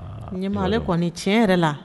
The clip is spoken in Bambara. Aaa i b'a dɔn ɲɛmaa ale kɔni tiɲɛ yɛrɛ la